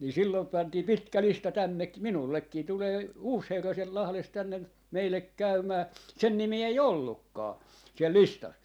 niin silloin pantiin pitkä lista - minullekin tulee uusi herra sieltä Lahdesta tänne meille käymään sen nimeä ei ollutkaan siellä listassa